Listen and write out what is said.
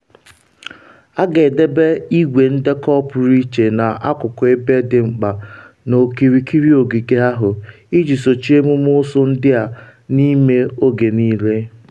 A ga-edebe igwe ndekọ pụrụ iche n’akụkụ ebe dị mkpa n’okirikiri ogige ahụ iji sochie omume ụsụ ndị a n’ime oge niile.